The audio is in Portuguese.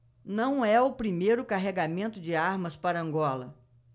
não é o primeiro carregamento de armas para angola